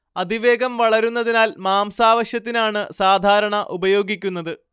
അതിവേഗം വളരുന്നതിനാൽ മാംസാവശ്യത്തിനാണ് സാധാരണ ഉപയോഗിക്കുന്നത്